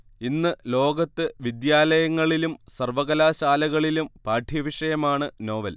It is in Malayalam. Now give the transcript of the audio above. ഇന്ന് ലോകത്ത് വിദ്യാലയങ്ങളിലും സർവ്വകലാശാലകളിലും പാഠ്യവിഷയമാണ് നോവൽ